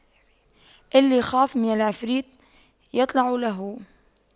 اللي يخاف من العفريت يطلع له